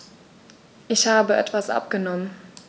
Ich habe etwas abgenommen.